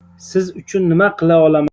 siz uchun nima qila olaman